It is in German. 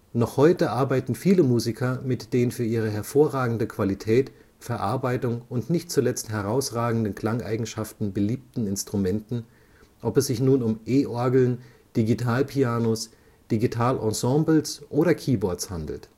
Noch heute arbeiten viele Musiker mit den für ihre hervorragende Qualität, Verarbeitung und nicht zuletzt herausragende Klangeigenschaften beliebten Instrumenten, ob es sich nun um E-Orgeln, Digital-Pianos, Digital-Ensembles oder Keyboards handelt